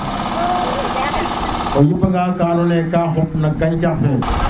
o yipa nga ka andona ye ka ando ye ka xup no yacax fe